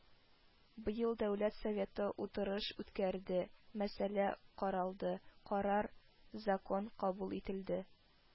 “быел дәүләт советы утырыш үткәрде, мәсьәлә каралды, карар, закон кабул ителде